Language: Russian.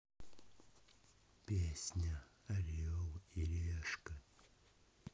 песня орел и решка